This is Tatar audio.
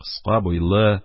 Кыска буйлы,